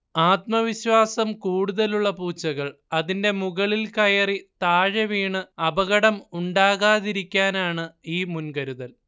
ആത്മവിശ്വാസം കൂടുതലുള്ള പൂച്ചകൾ അതിന്റെ മുകളിൽ കയറി താഴെവീണ് അപകടം ഉണ്ടാകാതിരിക്കാനാണ് ഈ മുൻകരുതൽ